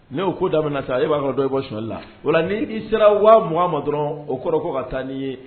Ne o ko daminɛna san e b'a dɔn dɔ be bɔ suɲɛli la ola ni i sera 20000 ma dɔrɔn o kɔrɔ ko ka taa n'i ye